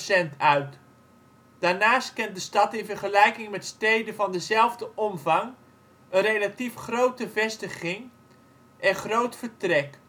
11,5 % uit. Daarnaast kent de stad in vergelijking met steden van dezelfde omvang een relatief grote vestiging en groot vertrek